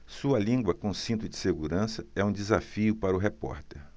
sua língua com cinto de segurança é um desafio para o repórter